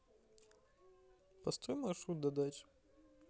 построй маршрут до дачи